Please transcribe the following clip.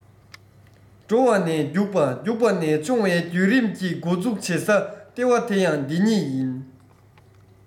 འགྲོ བ ནས རྒྱུག པ རྒྱུག པ ནས མཆོང བའི རྒྱུད རིམ གྱི མགོ འཛུགས བྱེད ས ལྟེ བ དེ ཡང འདི ཉིད ཡིན